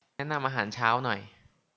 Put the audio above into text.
แนะนำอาหารเช้าหน่อย